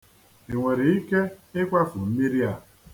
I nwere ike ịkwafu mmiri a?